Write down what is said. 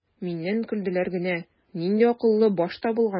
Миннән көлделәр генә: "Нинди акыллы баш табылган!"